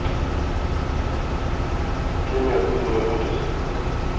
кем я буду работать